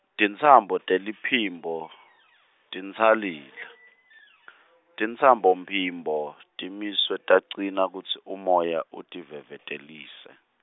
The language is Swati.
tintsambo teliphimbo, tintsalile, Tintsambophimbo timiswe tacina kutsi umoya utivevetelisa.